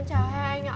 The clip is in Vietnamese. em chào hai anh ạ